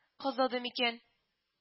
Кызыды микән